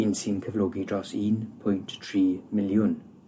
un sy'n cyflogi dros un pwynt tri miliwn